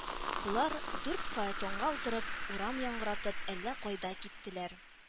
Болар, дүрт фаэтонга утырып, урам яңгыратып, әллә кайда киттеләр